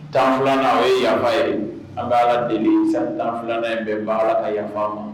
Tan filanan o ye yafa ye an bɛ'a ala deli tanfi filanan in bɛn baara a yafa ma